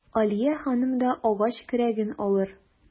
Алия ханым да агач көрәген алыр.